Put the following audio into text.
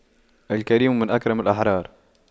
الكريم من أكرم الأحرار